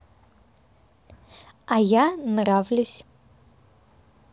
а я нравлюсь